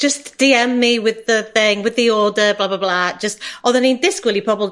jjust dee em me with the thing with the order blah blah blah just.... Jyst oeddan ni'n disgwl i pobl